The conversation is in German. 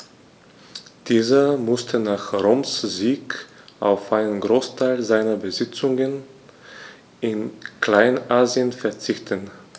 Dieser musste nach Roms Sieg auf einen Großteil seiner Besitzungen in Kleinasien verzichten.